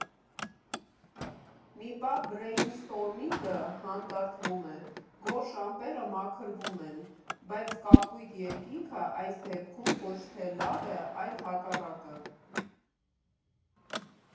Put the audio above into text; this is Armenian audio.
Մի պահ բրեյն֊սթորմինգը հանդարտվում է, գորշ ամպերը մաքրվում են, բայց կապույտ երկինքը այս դեպքում ոչ թե լավ է, այլ հակառակը…